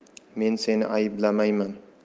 men seni ayblamayman